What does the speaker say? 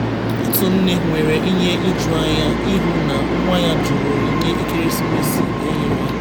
Otu nne nwere ihe ijuanya ị hụ na nwa ya jụrụ onyinye ekeresimesi o nyere ya.